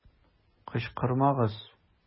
Кычкырмагыз!